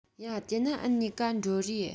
ཡ དེ ན འུ གཉིས ཀ འགྲོ རིས